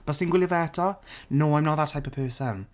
Byswn i'n gwylio fe eto? No, I'm not that type of person.